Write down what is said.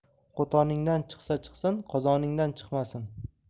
qo'toningdan chiqsa chiqsin qozoningdan chiqmasin